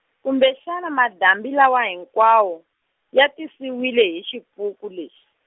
kumbexani madambi lawa hinkwawo, ya tisiwile hi xipuku lexi.